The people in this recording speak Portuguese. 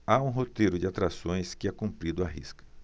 há um roteiro de atrações que é cumprido à risca